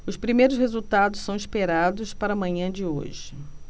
os primeiros resultados são esperados para a manhã de hoje